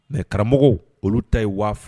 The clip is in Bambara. Mais karamɔgɔw olu ta ye 2000.